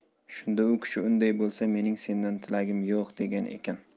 shunda u kishi unday bo'lsa mening sendan tilagim yo'q degan ekan